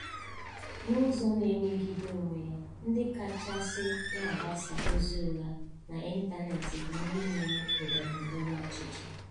N'ụzọ na-emegide onwe ya, ndị kachasị na-agbasa ozi ụgha n'ịntaneetị bụ ndị na-eme ndọrọ ndọrọ ọchịchị.